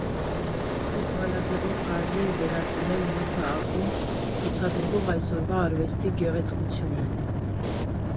Այս բանաձևով կարելի է վերծանել ՆՓԱԿ֊ում ցուցադրվող այսօրվա արվեստի գեղեցկությունը։